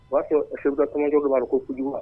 O b'a sɔrɔ seguuru ka tɔnjɔ b'a ko fu jugu ma